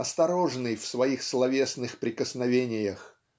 осторожный в своих словесных прикосновениях